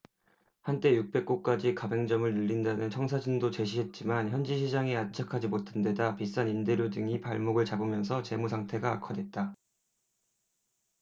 한때 육백 곳까지 가맹점을 늘린다는 청사진도 제시했지만 현지 시장에 안착하지 못한데다 비싼 임대료 등이 발목을 잡으면서 재무상태가 악화됐다